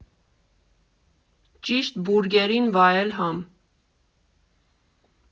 Ճիշտ բուրգերին վայել համ։